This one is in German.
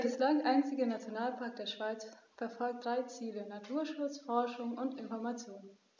Der bislang einzige Nationalpark der Schweiz verfolgt drei Ziele: Naturschutz, Forschung und Information.